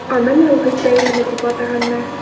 Аны Нәүрүз бәйрәме дип атаганнар.